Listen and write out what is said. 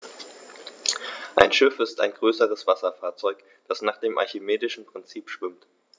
Ein Schiff ist ein größeres Wasserfahrzeug, das nach dem archimedischen Prinzip schwimmt.